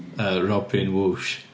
Yy Robin Whoosh.